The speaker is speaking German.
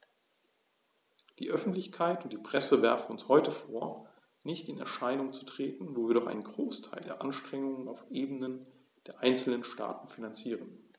Die Öffentlichkeit und die Presse werfen uns heute vor, nicht in Erscheinung zu treten, wo wir doch einen Großteil der Anstrengungen auf Ebene der einzelnen Staaten finanzieren.